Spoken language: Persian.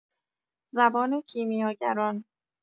زبان کیمیاگران